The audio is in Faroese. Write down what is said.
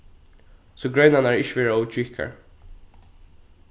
so greinarnar ikki verða ov tjúkkar